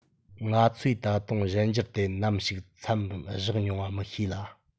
ང ཚོས ད དུང གཞན འགྱུར དེ ནམ ཞིག མཚམས བཞག མྱོང བ མི ཤེས ལ